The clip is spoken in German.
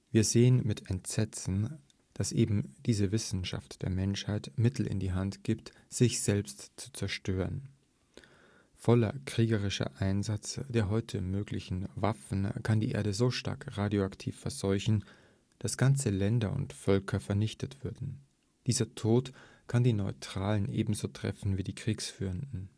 Wir sehen mit Entsetzen, dass eben diese Wissenschaft der Menschheit Mittel in die Hand gibt, sich selbst zu zerstören. Voller kriegerischer Einsatz der heute möglichen Waffen kann die Erde so stark radioaktiv verseuchen, dass ganze Länder und Völker vernichtet würden. Dieser Tod kann die Neutralen ebenso treffen wie die Kriegführenden